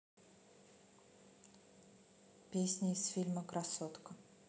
песня из фильма красотка